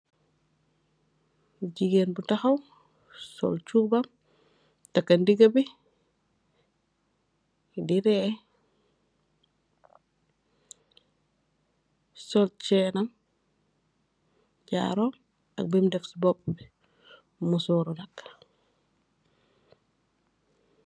Jigain bu takhaw ,sol chubam, taka ndingabi, di ree, sol cheenam, jaarom ak bim def si bopubi, musoru nak.